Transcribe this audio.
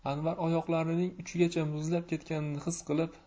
anvar oyoqlarining uchigacha muzlab ketganini his qilib